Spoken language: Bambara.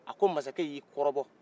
a ko masakɛ y'i kɔrɔbɔ